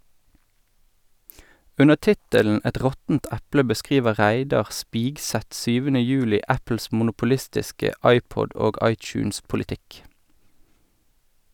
Under tittelen "Et råttent eple" beskriver Reidar Spigseth 7. juli Apples monopolistiske iPod- og iTunes-politikk.